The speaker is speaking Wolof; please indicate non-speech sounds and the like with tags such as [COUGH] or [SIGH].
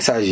[HESITATION] [HESITATION]